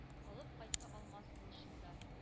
Алып кайтты алмаз кылычында